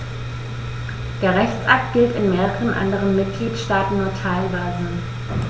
Der Rechtsakt gilt in mehreren anderen Mitgliedstaaten nur teilweise.